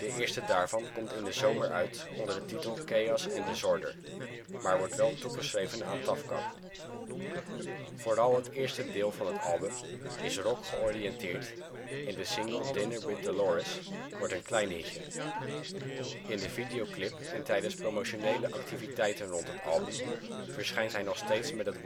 eerste daarvan komt in de zomer uit onder de titel Chaos and Disorder, maar wordt wel toegeschreven aan TAFKAP. Vooral het eerste deel van het album is rockgeoriënteerd en de single Dinner With Dolores wordt een klein hitje. In de videoclip en tijdens promotionele activiteiten rond het album verschijnt hij nog steeds met het